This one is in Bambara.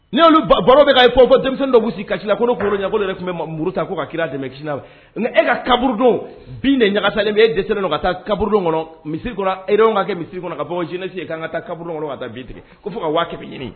Ni baro bɛ k' kɔ fɔ denmisɛnnin dɔ bɛ sigi ka la ko koro ɲɛkolon de tun bɛ muru ta' ka kira dɛmɛina e ka kaburudon bin ɲagakasalen bɛ e dese ka taa kaburu kɔnɔ misi kɔnɔ ere ka kɛ misi kɔnɔ ka bɔ jsi ye ka kan ka taa kab kɔnɔ ka taa bin tigɛ ko fo ka waa bɛ ɲini